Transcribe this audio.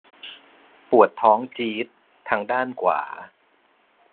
ปวดท้องจี๊ดทางด้านขวา